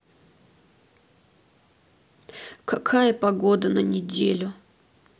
какая погода на неделю